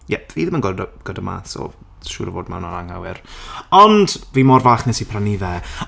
Iep fi ddim yn gw- good at maths so siwr o fod ma' hwnna'n anghywir ond fi mor falch wnes i prynu fe.